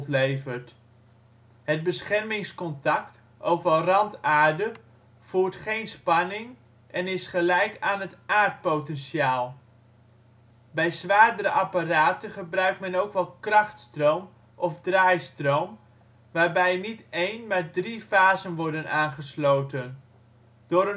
levert. Het beschermingsconact (ook wel randaarde) voert geen spanning en is gelijk aan het aardpotentiaal. Bij zwaardere apparaten gebruikt men ook wel krachtstroom of draaistroom waarbij niet één, maar drie fasen worden aangesloten. Door